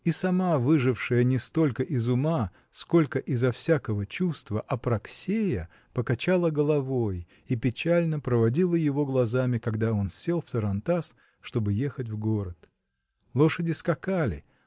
и сама выжившая не столько из ума, сколько изо всякого чувства, Апраксея покачала головой и печально проводила его глазами, когда он сел в тарантас, чтобы ехать в город. Лошади скакали